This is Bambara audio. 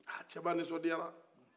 a cɛba nisɔndiyara